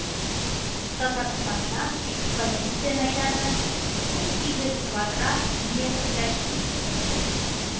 Татарстаннан экспозиция мәйданы унсигез квадрат метр тәшкил итәчәк